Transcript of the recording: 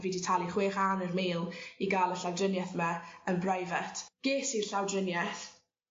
...fi 'di talu chwech a hanner mil i ga'l y llawdrinieth 'ma yn brifet. Ges i'r llawdrinieth